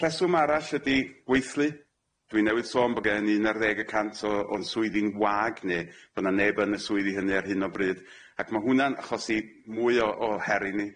Rheswm arall ydi gweithli dwi newydd sôn bo' gen i un ar ddeg y cant o o'n swyddi'n wag ne' bo' na neb yn y swyddi hynny ar hyn o bryd ac ma' hwnna'n achosi mwy o o her i ni.